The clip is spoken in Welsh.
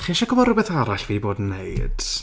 Chi eisiau gwybod rhywbeth arall fi 'di bod yn wneud?